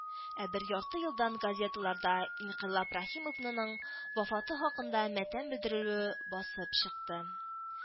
Ә бер ярты елдан газеталарда Инкыйлаб Рәхимовнаның вафаты хакында матәм белдерүе басылып чыкты